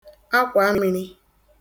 akwàmiri